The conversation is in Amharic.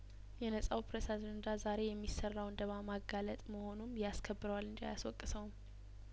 የነጻው ፕሬስ አጀንዳ ዛሬ የሚሰራውን ደባ ማጋለጥ መሆኑም ያስከብረዋል እንጂ አያስወቅሰውም